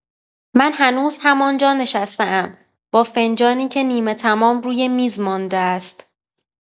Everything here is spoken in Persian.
من هنوز همان‌جا نشسته‌ام، با فنجانی که نیمه‌تمام روی میز مانده است.